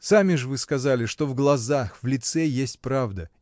— Сами же вы сказали, что в глазах, в лице есть правда